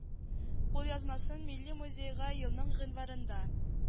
Кулъязмасын милли музейга елның гыйнварында